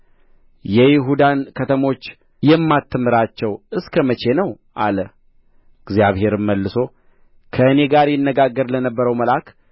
የይሁዳን ከተሞች የማትምራቸው እስከ መቼ ነው አለ እግዚአብሔርም መልሶ ከእኔ ጋር ይነጋገር ለነበረው መልአክ